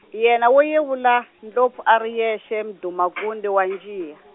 yena wo yevula, ndlopfu a ri yexe Mdumakude wa njiya.